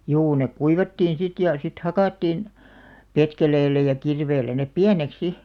juu ne kuivattiin sitten ja sitten hakattiin petkeleellä ja kirveellä ne pieneksi sitten